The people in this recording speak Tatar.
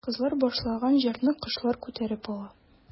Кызлар башлаган җырны кошлар күтәреп ала.